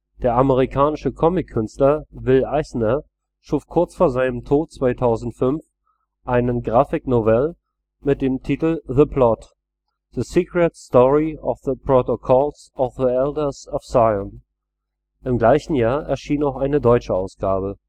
Der amerikanische Comic-Künstler Will Eisner schuf kurz vor seinem Tod 2005 einen Graphic Novel mit dem Titel The Plot. The Secret Story of The Protocols of the Elders of Zion. Im gleichen Jahr erschien auch eine deutsche Ausgabe